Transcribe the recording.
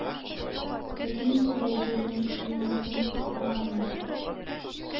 Бөтенесе дә җирне, җилне, суны кызганганнар